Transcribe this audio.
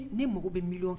Ne mago bɛ million